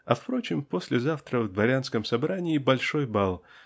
А впрочем, послезавтра в дворянском собрании большой бал.